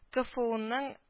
Кфуның